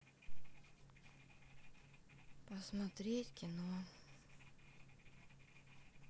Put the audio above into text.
посмотреть кино